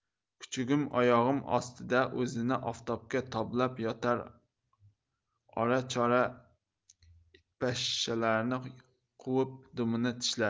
kuchugim oyog'im ostida o'zini oftobga toblab yotar ora chora itpashshalarni quvib dumini tishlar